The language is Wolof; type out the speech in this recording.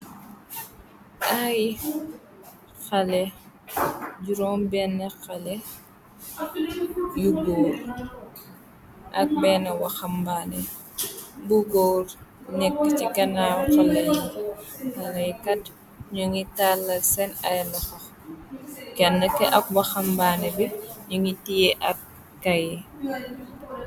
Ay haley juróom benn haley yu góor ak benn wahambaane bu góor nekk chi ganaaw haley yi. Haley yi kat ñu ngi tàllal senn ay loho. kenn kiy ak wahambaane bi ñu ngi tiyee ap kayet.